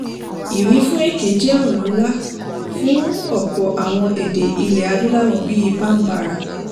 Ìwífún èké jẹ́ ọ̀ràn ńlá fún ọ̀pọ̀ àwọn èdè ilẹ̀ Adúláwọ̀ bíi Bambara.